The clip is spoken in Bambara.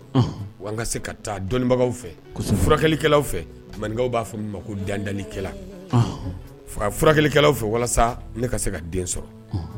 Ka se ka taa dɔnnibagaw fɛ furakɛlikɛlaw fɛ maninkaw b'a fɔ ma ko dandlikɛla faga furakɛlikɛlaw fɛ walasa ka se ka den sɔrɔ